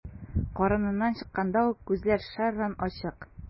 Карыныннан чыкканда ук күзләр шәрран ачык.